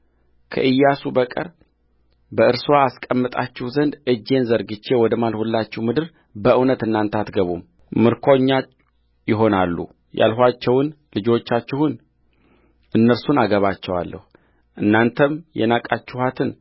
ከኢያሱ በቀር በእርስዋ አስቀምጣችሁ ዘንድ እጄን ዘርግቼ ወደ ማልሁላችሁ ምድር በእውነት እናንተ አትገቡምምርኮኛ ይሆናሉ ያላችኋቸውን ልጆቻችሁን እነርሱን አገባቸዋለሁ እናንተም የናቃችኋትን